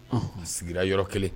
A sigira yɔrɔ kelen